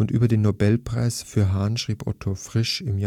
über den Nobelpreis für Hahn schrieb Otto Frisch im